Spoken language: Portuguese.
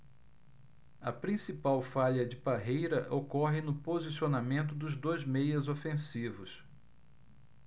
a principal falha de parreira ocorre no posicionamento dos dois meias ofensivos